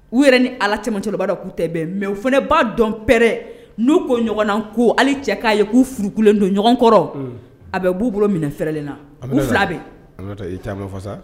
U yɛrɛ ni Ala cɛmancɛ la u b'a dɔn k'u tɛ bɛn mais o fana b'a dɔn pɛrɛ n'u ko ɲɔgɔn na ko hali cɛ k'a ye k'u furukulen don ɲɔgɔn kɔrɔ a bɛ b'u bolo minɛ fɛrɛlen na